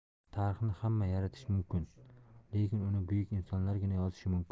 tarixni hamma yaratishi mumkin lekin uni buyuk insonlargina yozishi mumkin